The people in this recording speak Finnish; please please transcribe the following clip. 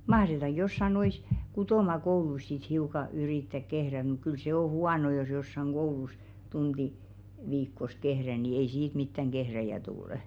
mahdetaanko jossakin noissa kutomakouluissa sitten hiukan yrittää kehrätä mutta kyllä se on huono jos jossakin koulussa tunti viikossa kehrää niin ei siitä mitään kehrääjää tule